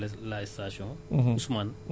lii tamit bu xewee